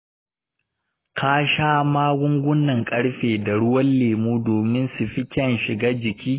ka sha magungunan ƙarfe da ruwan lemu domin su fi kyan shiga jiki.